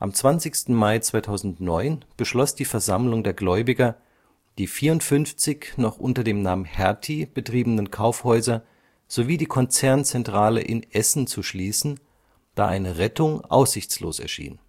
20. Mai 2009 beschloss die Versammlung der Gläubiger, die 54 noch unter dem Namen Hertie betriebenen Kaufhäuser sowie die Konzernzentrale in Essen zu schließen, da eine Rettung aussichtslos erschien